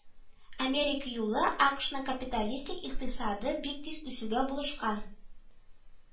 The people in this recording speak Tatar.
Америка юлы АКыШның капиталистик икътисады бик тиз үсүгә булышкан